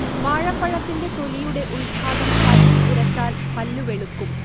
വാഴപ്പഴത്തിന്റെ തൊലിയുടെ ഉൾഭാഗം പല്ലിൽ ഉരച്ചാൽ പല്ല് വെളുക്കും